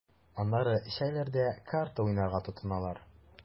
Аннары эчәләр дә карта уйнарга тотыналар.